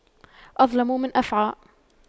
أظلم من أفعى